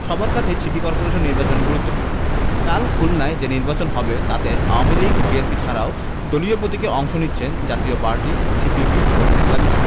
সবার কাছেই city corporation নির্বাচন গুরুত্বপূর্ণ কাল খুলনায় যে নির্বাচন হবে তাতে আওয়ামী লীগ বিএনপি ছাড়াও দলীয় প্রতীকে অংশ নিচ্ছে জাতীয় পার্টি সিপিবি ও ইসলামী